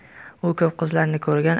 u ko'p qizlarni ko'rgan